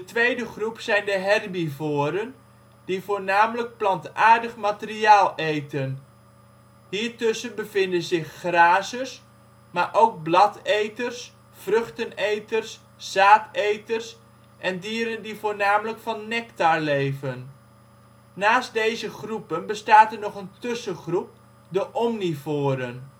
groep zijn de herbivoren, die voornamelijk plantaardig materiaal eten. Hiertussen bevinden zich grazers, maar ook bladeters, vruchteneters, zaadeters en dieren die voornamelijk van nectar leven. Naast deze groepen bestaat er nog een tussengroep, de omnivoren